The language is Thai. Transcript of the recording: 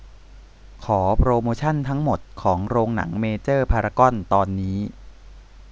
ขอโปรโมชันทั้งหมดของโรงหนังเมเจอร์พารากอนตอนนี้